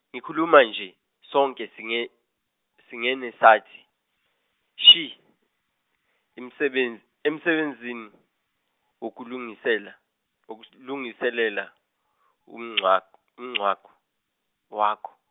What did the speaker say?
ngikhuluma nje sonke singe singene sathi shi imisebe- emsebezeni, emsebenzini wokulungisela, wokulungiselela umngcwabo- umngcwabo- wakho.